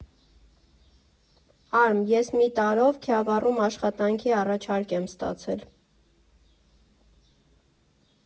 ֊ Արմ, ես մի տարով Քյավառում աշխատանքի առաջարկ եմ ստացել։